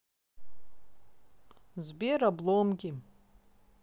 сбер обломки